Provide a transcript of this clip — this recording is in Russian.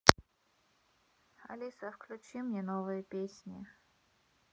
алиса включи мне новые песни